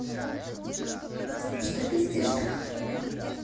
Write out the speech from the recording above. что пиздишь так